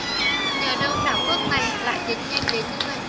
nhờ đâu đảo quốc này lại tiến nhanh đến như vậy